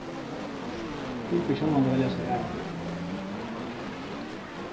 til ber sjálvandi at velja sær aðra fyllu